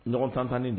Ɲɔgɔn tan tanni de